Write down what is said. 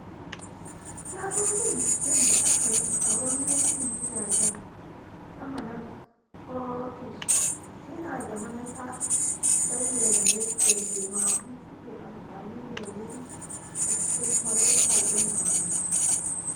Sabon binciken da ake yi a wani yankin gidajen Sama na Scottish yana da manufa bayyana yadda jemagu suke amfani da wuri a cikin farauta don abinci.